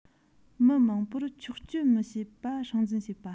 མི མང པོར ཆགས སྤྱོད མི བྱེད པ སྲུང འཛིན བྱེད པ